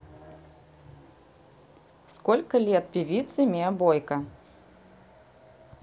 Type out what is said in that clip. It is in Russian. сколько лет певице mia boyka